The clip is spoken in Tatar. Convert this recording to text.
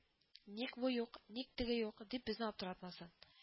Ник бу юк, ник теге юк, дип безне аптыратмасын